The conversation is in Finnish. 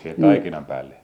siihen taikinan päälle